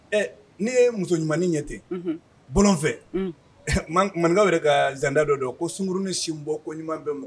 Ɛ n'i ye muso ɲuman ɲɛ ten bolo fɛ mankaw yɛrɛ ka zanda dɔ dɔn ko sunuruninsin bɔ ko ɲuman bɛ ma